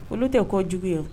Olu te kɔjugu ye o